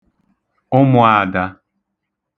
ụmụ̄ādā